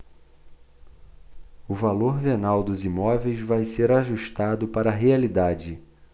o valor venal dos imóveis vai ser ajustado para a realidade